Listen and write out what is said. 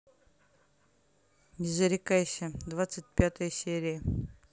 не зарекайся двадцать пятая серия